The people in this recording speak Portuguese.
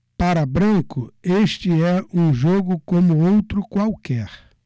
para branco este é um jogo como outro qualquer